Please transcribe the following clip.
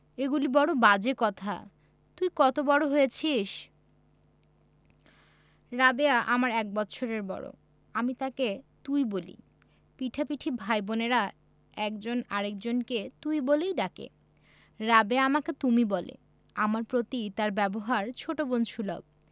এগুলি বড় বাজে কথা তুই কত বড় হয়েছিস রাবেয়া আমার এক বৎসরের বড় আমি তাকে তুই বলি পিঠাপিঠি ভাই বোনেরা একজন আরেক জনকে তুই বলেই ডাকে রাবেয়া আমাকে তুমি বলে আমার প্রতি তার ব্যবহার ছোট বোন সুলভ